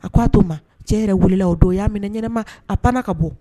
A ko a to n ma, cɛ yɛrɛ wulila la o don o y'a minɛ ɲɛnama, a panna ka bɔ.